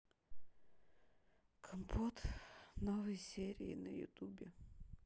компот новые серии на ютубе